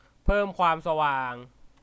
เพิ่มความสว่าง